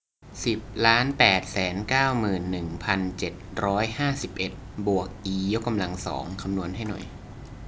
สิบล้านแปดแสนเก้าหมื่นหนึ่งพันเจ็ดร้อยห้าสิบเอ็ดบวกอียกกำลังสองคำนวณให้หน่อย